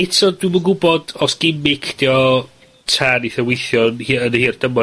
eto, dwi'm yn gwbod os gimick 'dy o, 'ta neith o weithio'n hi- yn y hir dymor